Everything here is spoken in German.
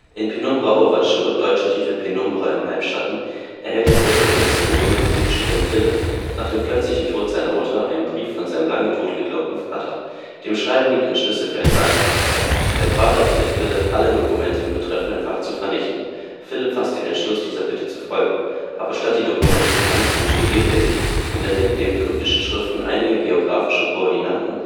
In Penumbra: Overture (deutscher Titel: Penumbra – Im Halbschatten) erhält der Protagonist, der junge Physikstudent Philipp, nach dem plötzlichen Tod seiner Mutter einen Brief von seinem lange totgeglaubten Vater. Dem Schreiben liegt ein Schlüssel für ein Bankfach bei. Sein Vater bittet Philipp, alle Dokumente im betreffenden Fach zu vernichten. Philipp fasst den Entschluss, dieser Bitte zu folgen, aber statt die Dokumente zu vernichten, studiert er sie und entdeckt neben kryptischen Schriften einige geographische Koordinaten